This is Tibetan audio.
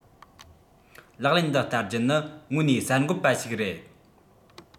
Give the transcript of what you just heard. ལག ལེན དུ བསྟར རྒྱུ ནི དངོས གནས གསར འགོད པ ཞིག རེད